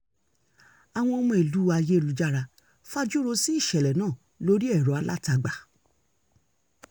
Àwọn ọmọ ìlú orí ayélujára fajúro sí ìṣẹ̀lẹ̀ náà lórí ẹ̀rọ alátagbà: